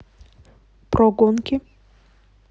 про гонки